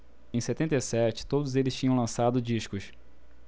em setenta e sete todos eles tinham lançado discos